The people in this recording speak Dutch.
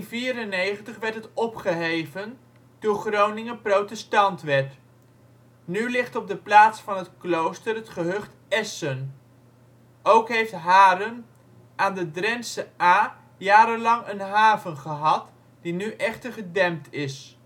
In 1594 werd het opgeheven, toen Groningen protestant werd. Nu ligt op de plaats van het klooster het gehucht Essen. Ook heeft Haren aan de Drentsche Aa jarenlang een haven gehad, die nu echter gedempt is